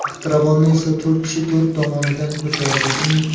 taxtiravonni esa to'rt kishi to'rt tomonidan